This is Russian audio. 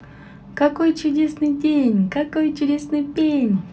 какой чудесный день какой чудесный пень